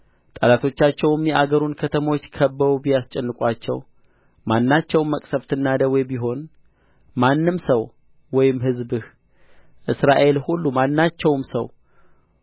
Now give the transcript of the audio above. ጠላቶቻቸውም የአገሩን ከተሞች ከብበው ቢያስጨንቁአቸው ማናቸውም መቅሠፍትና ደዌ ቢሆን ማንም ሰው ወይም ሕዝብህ እስራኤል ሁሉ ማናቸውም ሰው